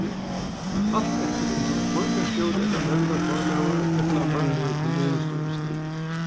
alt eftir um tú ert borgarstjóri ella nevndarformaður ella vanligur kommunustýrislimur